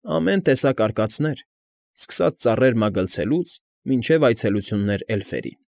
Ամեն տեսակ արկածներ՝ սկսած ծառեր մագլցելուց մինչև այցելություններ էլֆերին։